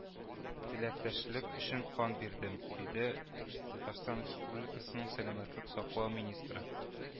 Теләктәшлек өчен кан бирдем, диде татарстан республикасының сәламәтлек саклау министры